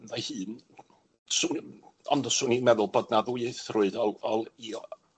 ei hun, sw- ond os o'n i'n meddwl bod 'na ddwyieithrwydd o o i o